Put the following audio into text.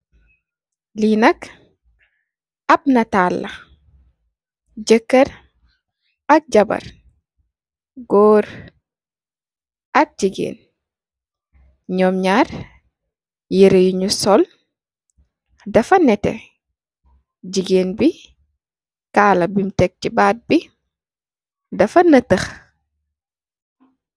Lii nak am nataal la jakaar ak Jabaar, goor ak jigeen, nyum nyaar yeere yunj nyu sol, dafa nete, jigeen bi, kaala bum teg si baat bi, dafa netex,